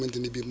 infra rouge